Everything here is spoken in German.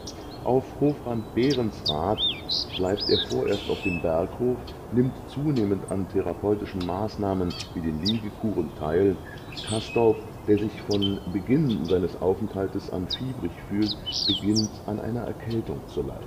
Auf Hofrat Behrens’ Rat bleibt er vorerst auf dem Berghof, nimmt zunehmend an therapeutischen Maßnahmen wie den Liegekuren teil. Castorp – der sich von Beginn seines Aufenthaltes an fiebrig fühlt – beginnt, an einer Erkältung zu